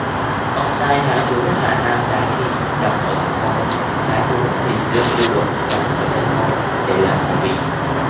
ông sai thái thú hà nam đái thi đóng ở thạch môn thái thú huỳnh dương lưu độn đóng ở thạch môn để làm hậu bị